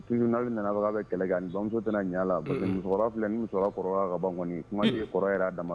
Toujours n'ale nana k'a fɔ k'a bɛna kɛlɛ kɛ ani buramuso tɛna ɲɛ ala, unun, musokɔrɔba filɛ ni musokɔrɔba kɔrɔ ka ban koni, un un, kuma tɛ kɔrɔ yɛrɛ y'a dan ma